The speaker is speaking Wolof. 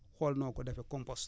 xool noo ko defee compost